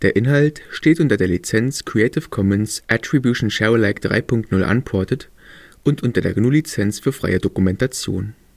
Inhalt steht unter der Lizenz Creative Commons Attribution Share Alike 3 Punkt 0 Unported und unter der GNU Lizenz für freie Dokumentation